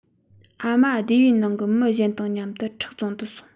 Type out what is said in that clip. ཨ མ སྡེ བའི ནང གི མི གཞན དང མཉམ དུ ཁྲག བཙོང དུ སོང